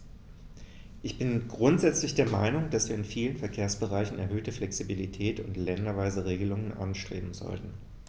Ich bin grundsätzlich der Meinung, dass wir in vielen Verkehrsbereichen erhöhte Flexibilität und länderweise Regelungen anstreben sollten.